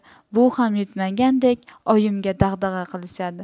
bu ham yetmagandek oyimga dag'dag'a qilishadi